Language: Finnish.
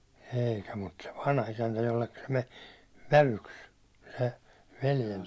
eikä mutta se vanhaisäntä jolle se meni vävyksi se -